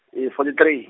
e- fourty three.